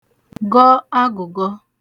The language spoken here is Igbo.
gọ agụ̀gọ